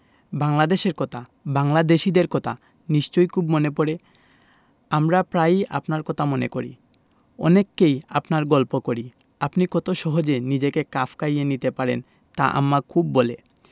বাংলাদেশের কথা বাংলাদেশীদের কথা নিশ্চয় খুব মনে পরে আমরা প্রায়ই আপনারর কথা মনে করি অনেককেই আপনার গল্প করি আপনি কত সহজে নিজেকে খাপ খাইয়ে নিতে পারেন তা আম্মা খুব বলে